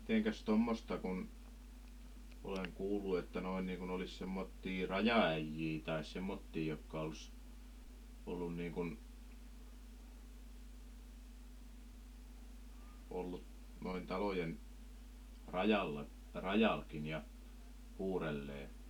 mitenkäs tuommoista kuin olen kuullut että noin niin kuin olisi semmoisia rajaäijiä tai semmoisia jotka olisi ollut niin kuin ollut noin talojen rajalla rajallakin ja huudelleet